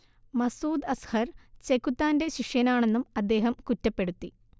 മസ്ഊദ് അസ്ഹർ ചെകുത്താന്റെ ശിഷ്യനാണെന്നും അദ്ദേഹം കുറ്റപ്പെടുത്തി